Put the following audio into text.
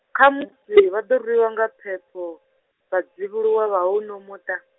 kha musi vha ḓo rwiwa nga phepho, vhadzivhuluwa vha houno muṱa.